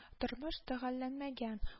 Тормыш төгәлләнмәгән